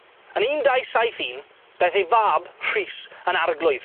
Yn un dau saith un daeth ei fab Rhys yn arglwydd.